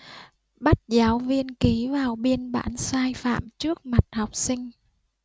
bắt giáo viên ký vào biên bản sai phạm trước mặt học sinh